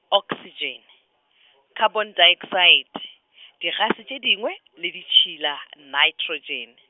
oksitšene, khapontaoksaete , digase tše dingwe, le ditšhila naetrotšene.